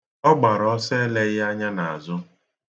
Ọ gbara ọsọ eleghị anya n'azụ.